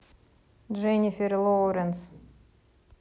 дженифер лоуренс